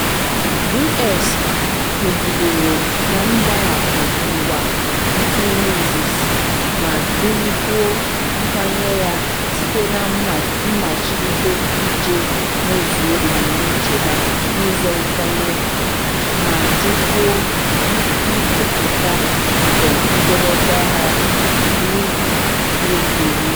“U.S kwụgidere na “mgbarapụ ngwa nuklịa-izizi” ma bulikwuo nkwanye ya site na mmachibido iji mezuo ebumnuche ha n’ụzọ nkwanye, ma jụkwuo “nkwuputa nke njedebe agha” Ri kwuru.